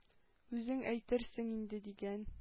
Үзең әйтерсең инде,— дигән.